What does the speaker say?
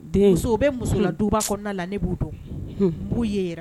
Den muso bɛ musola du ba kɔnɔna la ne bu dɔn. N bu ye